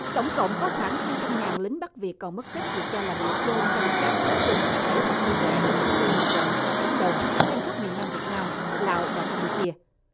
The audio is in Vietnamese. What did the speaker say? tổng cộng có khoảng hai trăm ngàn lính bắc việt còn mất tích được cho là bị chôn trong các hố chôn tập thể hoặc riêng lẻ trong các khu rừng rậm và cánh đồng trên khắp miền nam việt nam lào và cam pu chia